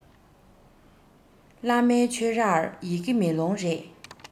བླ མའི ཆོས རར ཡི གེ མེ ལོང རེད